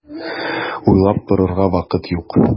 Уйлап торырга вакыт юк!